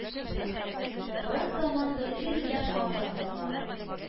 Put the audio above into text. Борын заман бер Ир белән Хатын торган,